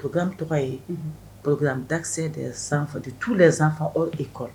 Tɔgɔ ye dasɛ de sanfa de tu la sanfa de kɔrɔ